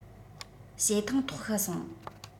བྱེ ཐང ཐོག ཤི སོང